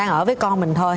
đang ở với con mình thôi